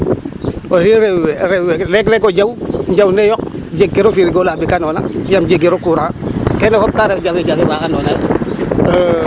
Aussi rew we lek lek o jaw njaw ne yoq jegkiro frigo la ɓakandoona yaam jegiro courant kene fop ka ref jafe jafe fa andoona yee